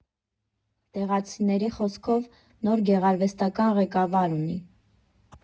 Տեղացիների խոսքով նոր գեղարվեստական ղեկավար ունի։